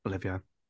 Olivia.